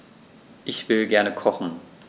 Ich will gerne kochen.